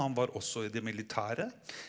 han var også i det militære.